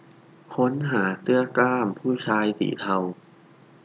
ค้นหาเสื้อกล้ามผู้ชายสีเทา